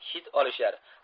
hid olishar